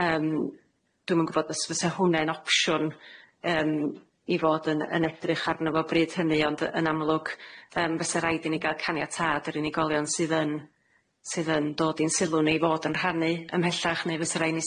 Yym dwi'm yn gwbod os fysa hwnne'n opsiwn yym i fod yn yn edrych arno fo bryd hynny ond yy yn amlwg yym fysa raid i ni ga'l caniatâd yr unigolion sydd yn sydd yn dod i'n sylw ni i fod yn rhannu ymhellach neu fysa raid i ni